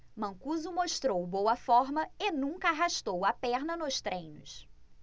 mancuso mostrou boa forma e nunca arrastou a perna nos treinos